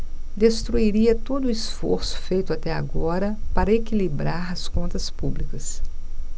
destruiria todo esforço feito até agora para equilibrar as contas públicas